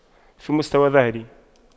في مستوى ظهري